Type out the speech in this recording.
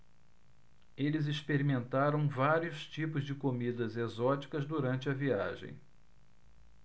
eles experimentaram vários tipos de comidas exóticas durante a viagem